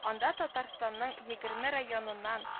Анда Татарстанның егерме районыннан